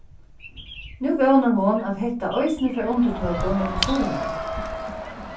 nú vónar hon at hetta eisini fær undirtøku millum suðuroyingar